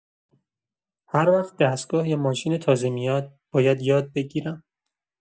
هر وقت دستگاه یا ماشین تازه میاد، باید یاد بگیرم.